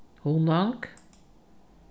hunang